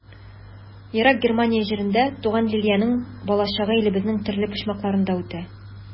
Ерак Германия җирендә туган Лилиянең балачагы илебезнең төрле почмакларында үтә.